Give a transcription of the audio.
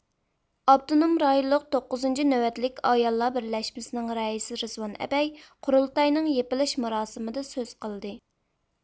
ئاپتونوم رايونلۇق توققۇزىنچى نۆۋەتلىك ئاياللار بىرلەشمىسىنىڭ رەئىسى رىزۋان ئەبەي قۇرۇلتاينىڭ يېپىلىش مۇراسىمىدا سۆز قىلدى